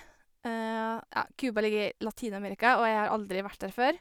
Ja, Cuba ligger i Latin-Amerika, og jeg har aldri vært der før.